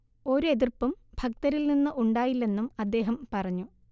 ഒരു എതിർപ്പും ഭക്തരിൽനിന്ന് ഉണ്ടായില്ലെന്നും അദ്ദേഹം പറഞ്ഞു